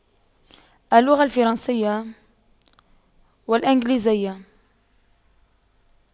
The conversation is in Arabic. اللغة الفرنسية والانكليزية